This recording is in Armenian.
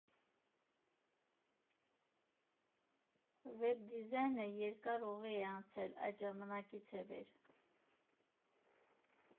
Վեբ դիզայնը երկար ուղի է անցել այդ ժամանակից ի վեր։